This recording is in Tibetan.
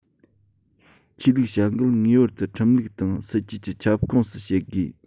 ཆོས ལུགས བྱ འགུལ ངེས པར དུ ཁྲིམས ལུགས དང སྲིད ཇུས ཀྱི ཁྱབ ཁོངས སུ བྱེད དགོས